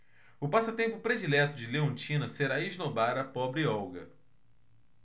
o passatempo predileto de leontina será esnobar a pobre olga